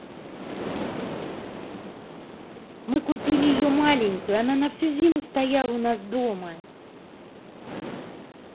мы купили ее маленькую она на всю зиму стояла у нас дома